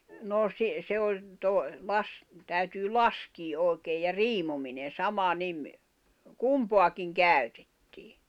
no - se oli -- täytyy laskea oikein ja riimominen sama niin kumpaakin käytettiin